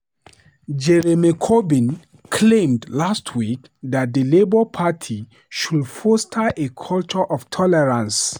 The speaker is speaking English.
Jeremy Corbyn claimed last week that the Labour party should foster a culture of tolerance.